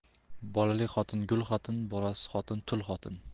bolali xotin gul xotin bolasiz xotin tul xotin